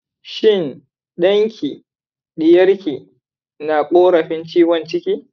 shin ɗanki/ɗiyarki na korafin ciwon ciki